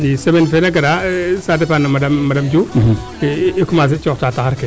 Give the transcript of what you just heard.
i semaine fee naa gara ca depend na madame Diouf i commencer cooxta taxar ke